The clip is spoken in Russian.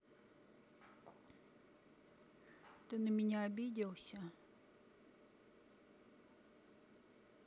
ты на меня обиделся